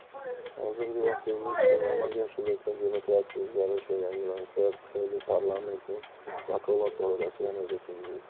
hozirgi vaqtda o'zbekistonda amalga oshirilayotgan demokratik o'zgarish va yangilanishlar tufayli parlamentning vakolat doirasi yanada kengaydi